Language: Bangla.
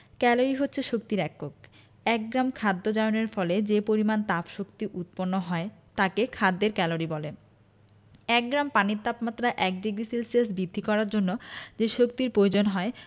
ক্যালরি হচ্ছে শক্তির একক এক গ্রাম খাদ্য জারণের ফলে যে পরিমাণ তাপশক্তি উৎপন্ন হয় তাকে খাদ্যের ক্যালরি বলে এক গ্রাম পানির তাপমাত্রা ১ ডিগ্রি সেলসিয়াস বিদ্ধি করার জন্য যে শক্তির প্রয়োজন হয়